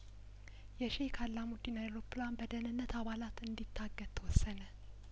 የሼክ አላሙዲን አይሮፕላን በደህንነት አባላት እንዲታገት ተወሰነ